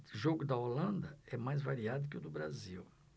jogo da holanda é mais variado que o do brasil